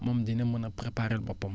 moom dina mën a préparé boppam